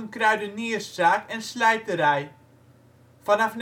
kruidenierszaak en slijterij, vanaf